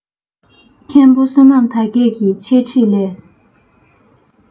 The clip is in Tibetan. མཁན པོ བསོད ནམས དར རྒྱས ཀྱིས འཆད ཁྲིད ལས